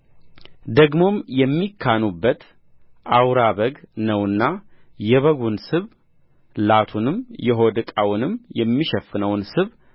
ደግሞም የሚካኑበት አውራ በግ ነውና የበጉን ስብ ላቱንም የሆድ ዕቃውንም የሚሸፍነውን ስብ